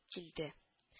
Килде